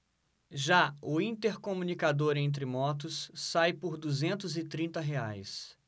já o intercomunicador entre motos sai por duzentos e trinta reais